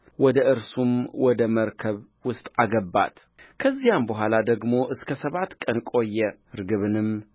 ወደ እርሱም ወደ መርከብ ውስጥ አገባት ከዚያም በኋላ ደግሞ እስከ ሰባት ቀን ቆየ ርግብንም